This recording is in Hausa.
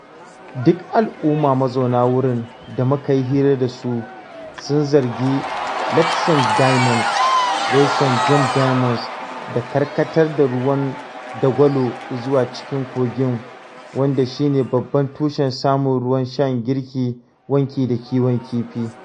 Duk al’umma mazauna wurin da muka yi hira da su sun zargi Letšeng Diamonds — reshen Gem Diamonds — da karkatar da ruwan dagwalo izuwa cikin kogin, wanda shine babban tushen samun ruwan sha, girki, wanki, da kiwon kifi.